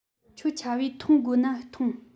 ཁྱོད ཆ བོས འཐུང དགོ ན ཐུངས